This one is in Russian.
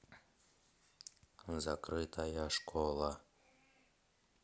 закрытая школа